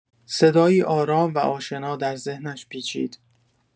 صدایی آرام و آشنا در ذهنش پیچید.